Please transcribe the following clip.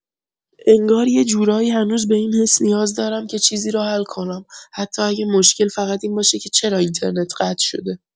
انگار یه جورایی هنوز به این حس نیاز دارم که چیزی رو حل کنم، حتی اگه مشکل فقط این باشه که چرا اینترنت قطع شده.